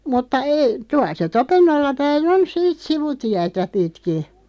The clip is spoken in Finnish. mutta ei tuolla se Topennolla päin on siitä sivutietä pitkin